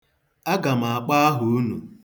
Aga m akpọ aha unu.